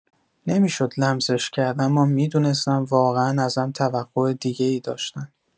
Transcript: نمی‌شد لمسش کرد اما می‌دونستم واقعا ازم توقع دیگه‌ای داشتن.